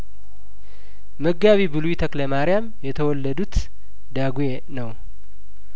መጋቢ ብሉይ ተክለማሪያም የተወለዱት ዳጔ ነው